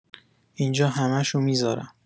اینجا همشو می‌زارم